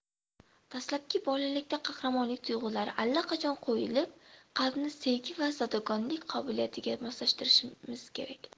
dastlabki bolalikda qahramonlik tuyg'ulari allaqachon qo'yilib qalbni sevgi va zodagonlik qobiliyatiga moslashtirishi kerak